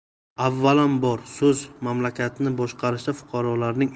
avvalambor so'z mamlakatni boshqarishda fuqarolarning